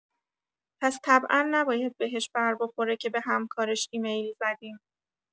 پس طبعا نباید بهش بربخوره که به همکارش ایمیل زدین!